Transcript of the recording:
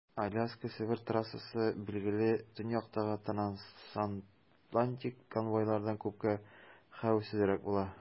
Аляска - Себер трассасы, билгеле, төньяктагы трансатлантик конвойлардан күпкә хәвефсезрәк була.